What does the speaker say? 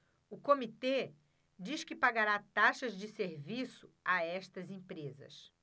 o comitê diz que pagará taxas de serviço a estas empresas